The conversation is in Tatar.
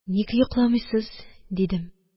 – ник йокламыйсыз? – дидем.